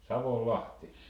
Savonlahti